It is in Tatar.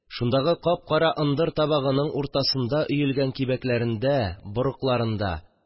Шундагы кап-кара ындыр табагының уртасында өелгән кибәкләрендә (борыкларында)